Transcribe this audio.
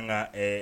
An ka